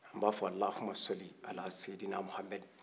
n ba fɔ allahumma salli ala sayyidina mohamed